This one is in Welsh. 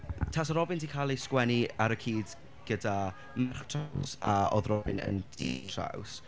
Tase Robin 'di cael ei sgwennu ar y cyd gyda merch traws a oedd Robin yn dyn traws...